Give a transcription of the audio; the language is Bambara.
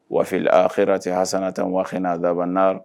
Waatifi a fɛ cɛ ha san tan waatifin'a laban n'a